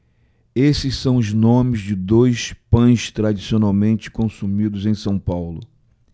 esses são os nomes de dois pães tradicionalmente consumidos em são paulo